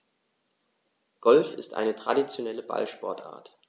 Golf ist eine traditionelle Ballsportart.